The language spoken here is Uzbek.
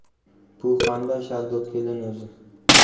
bu qanday shaddod kelin o'zi